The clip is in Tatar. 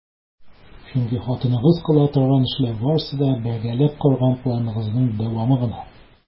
Чөнки хатыныгыз кыла торган эшләр барысы да - бергәләп корган планыгызның дәвамы гына!